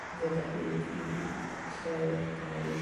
ddod o hyd i lleoliadau